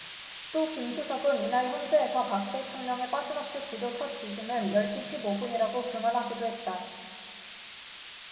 또 김 수석은 이날 헌재에서 박 대통령의 빠짐없이 구조 첫 지시는 열 시 십 오 분이라고 증언하기도 했다